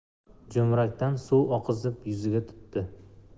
jumrakdan suv oqizib yuziga tutdi